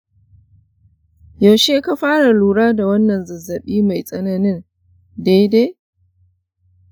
yaushe ka fara lura da wannan zazzabi mai tsanani daidai?